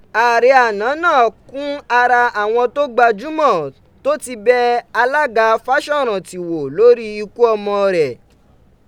Ààrẹ àná naa kún ara awọn lookọ lookọ to ti bẹ alagba Faṣọranti wo lori iku ọmọ rẹ.